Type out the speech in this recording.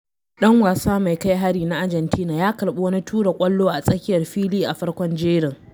Ɗan wasa mai kai harin na Argentina ya karɓi wani tura ƙwallo a tsakiyar fili a farkon jerin.